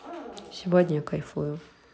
сегодня я кайфую